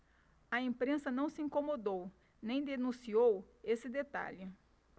a imprensa não se incomodou nem denunciou esse detalhe